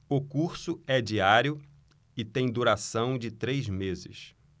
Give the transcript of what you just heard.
o curso é diário e tem duração de três meses